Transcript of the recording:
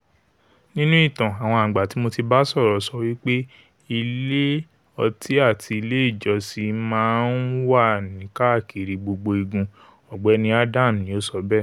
'Nínu ìtàn, àwọn àgbà tí mo ti bá sọ̀rọ̀ sọwípé́ ilé ọtí àti ilé ìjọsìn ma nwà ní káàkiri gbogbo igun,'' Ògbẹ́ni Adam ni o so bèẹ́.